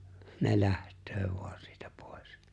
ne lähtee vain siitä pois